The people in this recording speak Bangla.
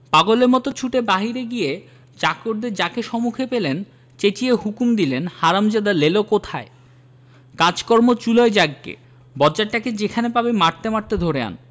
পাগলের মত ছুটে বাহিরে গিয়ে চাকরদের যাকে সুমুখে পেলেন চেঁচিয়ে হুকুম দিলেন হারামজাদা লেলো কোথায় কাজকর্ম চুলোয় যাক গে বজ্জাতটাকে যেখানে পাবি মারতে মারতে ধরে আন্